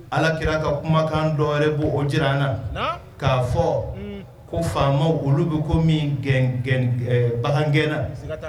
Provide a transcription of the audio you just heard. Alakira ka kumakan dɔwɛrɛ b'o jira an na, naamu, k'a fɔ, un ko faama olu bi komi gɛ gɛ Ɛɛ bagangɛnna, siga t'a la.